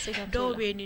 Dɔw bɛ nin